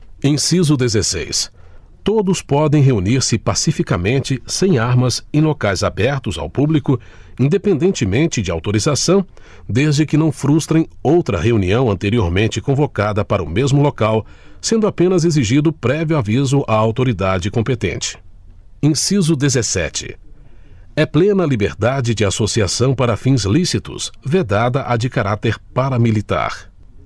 inciso dezesseis todos podem reunir se pacificamente sem armas em locais abertos ao público independentemente de autorização desde que não frustrem outra reunião anteriormente convocada para o mesmo local sendo apenas exigido prévio aviso à autoridade competente inciso dezessete é plena a liberdade de associação para fins lícitos vedada a de caráter paramilitar